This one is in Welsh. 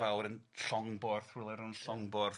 fawr yn Llongborth, rywle rownd Llongborth.